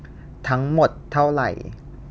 ทั้งหมดเท่าไหร่